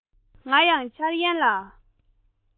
ང ཡང འཆར ཡན ལ